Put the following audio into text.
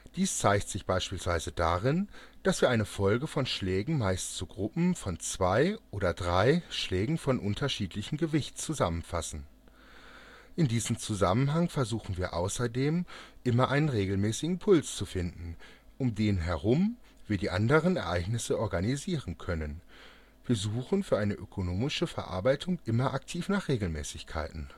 Dies zeigt sich beispielsweise darin, dass wir eine Folge von Schlägen meist zu Gruppen von zwei oder drei Schlägen von unterschiedlichem Gewicht zusammenfassen (Fricke, 1997). In diesem Zusammenhang versuchen wir außerdem immer einen regelmäßigen Puls zu finden, um den herum wir die anderen Ereignisse organisieren können - wir suchen für eine ökonomische Verarbeitung immer aktiv nach Regelmäßigkeiten